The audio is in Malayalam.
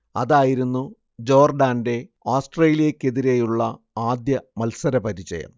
അതായിരുന്നു ജോർഡാന്റെ ഓസ്ട്രേലിയക്കെതിരായുള്ള ആദ്യ മത്സരപരിചയം